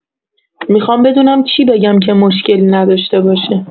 میخوام بدونم چی بگم که مشکلی نداشته باشه.